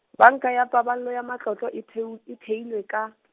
banka ya Paballo ya Matlotlo etheu-, e theilwe ka.